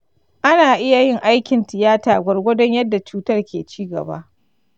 ana iya yin aikin tiyata gwargwadon yadda cutar ke ci gaba.